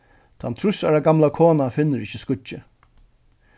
tann trýss ára gamla konan finnur ikki skýggið